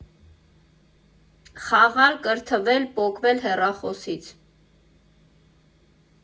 Խաղալ, կրթվել, պոկվել հեռախոսից։